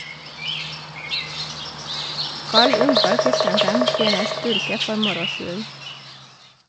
Carl Yngvar Christensen trener styrke for moro skyld.